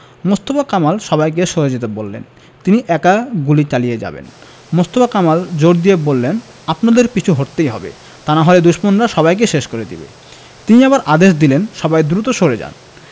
মোস্তফা কামাল সবাইকে সরে যেতে বললেন তিনি একা গুলি চালিয়ে যাবেন মোস্তফা কামাল জোর দিয়ে বললেন আপনাদের পিছু হটতেই হবে তা না হলে দুশমনরা সবাইকে শেষ করে দেবে তিনি আবার আদেশ দিলেন সবাই দ্রুত সরে যান